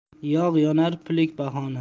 yog' yonar pilik bahona